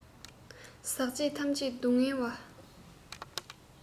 ཟག བཅས ཐམས ཅད སྡུག བསྔལ བ